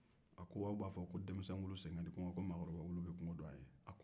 a b'a b'a fo denmisɛnwulu sen ka di nka ko maakɔrɔbawulu bɛ kungo dɔn a ye